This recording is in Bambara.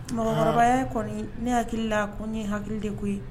Mɔgɔkɔrɔba kɔni ne hakili la ko ni hakili de koyi koyi